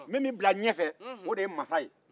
min bɛ bila ɲɛ o de ye masa